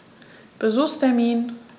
Besuchstermin